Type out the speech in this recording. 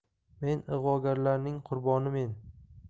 men ig'vogarlarning qurbonimen